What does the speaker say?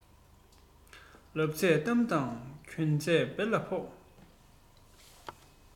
ལབ ཚད གཏམ དང དགོས ཚད འབེན ལ ཕོག